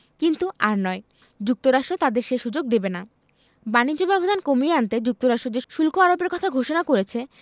কিন্তু আর নয় যুক্তরাষ্ট্র তাদের সে সুযোগ দেবে না বাণিজ্য ব্যবধান কমিয়ে আনতে যুক্তরাষ্ট্র যে শুল্ক আরোপের কথা ঘোষণা করেছে